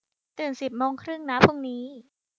ตื่นสิบโมงครึ่งนะพรุ่งนี้